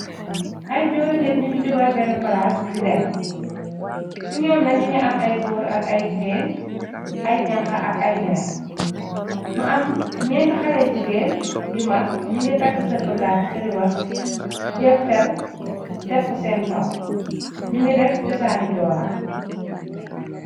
Ay joori nit ñu ngi jobal benn palaas di dem ci ñoom na ñu ngi am ay góor ak ay jigéen ay janka ak ay meer mu am ñenti xale jigéen yu mag ñu ngi tàkk sër bagaat sariwax jël fer def ko seen kaw ñu ngi def chosaani joolaa.